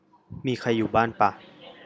มีใครอยู่บ้านปะ